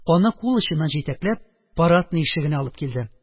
Аны кул очыннан җитәкләп, парадный ишегенә алып килде.